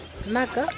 naka